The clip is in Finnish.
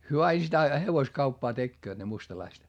he aina sitä hevoskauppaa tekevät ne mustalaiset